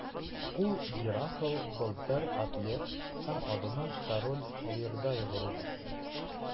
Ул – Геракл, Былтыр, атлет – һәр адымын Король Лирдай горур атлый.